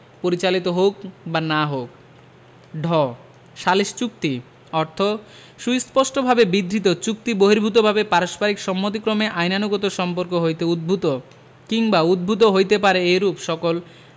পরিচালিত হউক বা না হউক ঢ সালিস চুক্তি অর্থ সুস্পষ্টভাবে বিধৃত চুক্তিবহির্ভুতভাবে পারস্পরিক সম্মতিক্রমে আইনানুগত সম্পর্ক হইতে উদ্ভুত কিংবা উদ্ভব হইতে পারে এইরূপ সকল